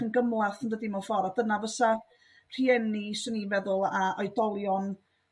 yn gymlath yn dydi? Mewn ffor' dyna fysa rhieni 'swn i'n feddwl a oedolion